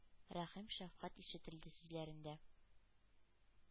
Рәхим, шәфкать ишетелде сүзләрендә.